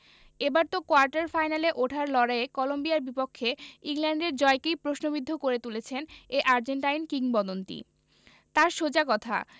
এবার তো কোয়ার্টার ফাইনালে ওঠার লড়াইয়ে কলম্বিয়ার বিপক্ষে ইংল্যান্ডের জয়কেই প্রশ্নবিদ্ধ করে তুলেছেন এই আর্জেন্টাইন কিংবদন্তি তাঁর সোজা কথা